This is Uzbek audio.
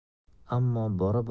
ammo bora bora